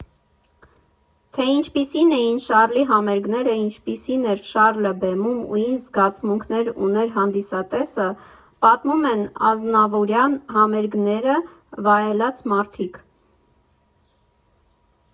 Թե ինչպիսին էին Շառլի համերգները, ինչպիսին էր Շառլը բեմում ու ինչ զգացմունքներ ուներ հանդիսատեսը, պատմում են ազնավուրյան համերգները վայելած մարդիկ։